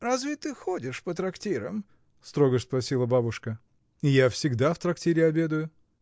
— Разве ты ходишь по трактирам? — строго спросила бабушка. — Я всегда в трактире обедаю.